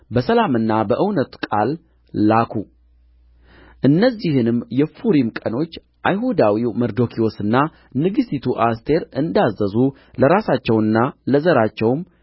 በሰላምና በእውነት ቃል ላኩ እነዚህንም የፉሪም ቀኖች አይሁዳዊው መርዶክዮስና ንግሥቲቱ አስቴር እንዳዘዙ ለራሳቸውና ለዘራቸውም